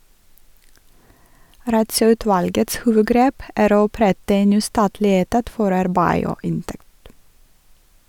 Rattsøutvalgets hovedgrep er å opprette en ny statlig etat for arbeid og inntekt.